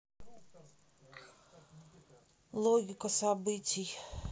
логика событий